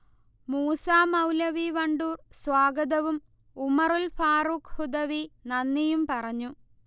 മൂസമൗലവി വണ്ടൂർ സ്വാഗതവും ഉമറുൽ ഫാറൂഖ്ഹുദവി നന്ദിയും പറഞ്ഞു